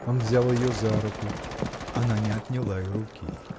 Он взял ее за руку – она не отняла и руки